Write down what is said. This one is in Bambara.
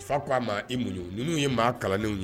Fa k ko a ma i mun ye ninnu ye maa kalandenww ye